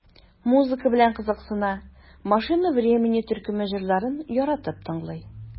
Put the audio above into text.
Музыка белән кызыксына, "Машина времени" төркеме җырларын яратып тыңлый.